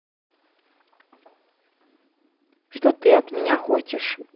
что ты от меня хочешь